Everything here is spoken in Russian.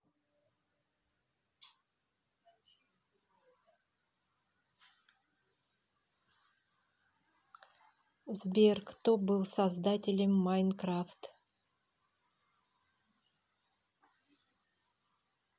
сбер кто был создателем minecraft